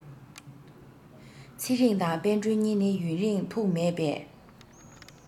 ཚེ རིང དང དཔལ སྒྲོན གཉིས ནི ཡུན རིང ཐུགས མེད པས